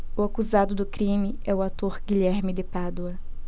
o acusado do crime é o ator guilherme de pádua